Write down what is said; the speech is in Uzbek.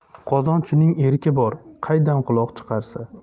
qozonchining erki bor qaydan quloq chiqarsa